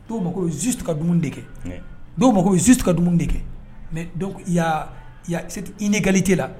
Dɔw mago bɛ juste ka dumuni de kɛ dow mago bɛ juste ka dumuni de kɛ mais donc il ya cette inégalité la